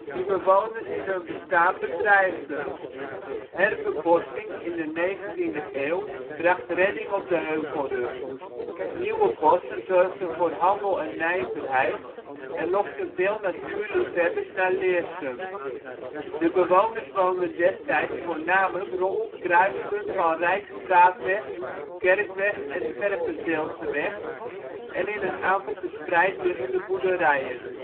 die bewoners in hun bestaan bedreigden. Herbebossing in de 19e eeuw bracht redding op de Heuvelrug. Nieuwe bossen zorgden voor handel en nijverheid en lokten veel natuurliefhebbers naar Leersum. De bewoners woonden destijds voornamelijk rond het kruispunt van Rijksstraatweg, Kerkweg en Scherpenzeelseweg en in een aantal verspreid liggende boerderijen